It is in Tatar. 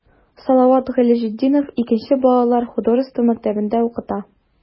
Салават Гыйләҗетдинов 2 нче балалар художество мәктәбендә укыта.